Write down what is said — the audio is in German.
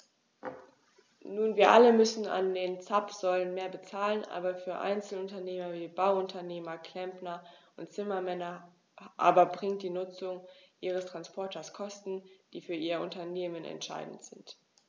Nun wir alle müssen an den Zapfsäulen mehr bezahlen, aber für Einzelunternehmer wie Bauunternehmer, Klempner und Zimmermänner aber birgt die Nutzung ihres Transporters Kosten, die für ihr Unternehmen entscheidend sind.